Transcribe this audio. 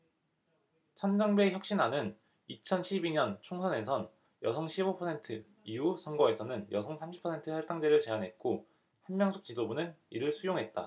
천정배 혁신안은 이천 십 이 년 총선에선 여성 십 오 퍼센트 이후 선거에서는 여성 삼십 퍼센트 할당제를 제안했고 한명숙 지도부는 이를 수용했다